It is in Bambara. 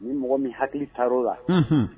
Ni mɔgɔ min hakili taara o la Unhun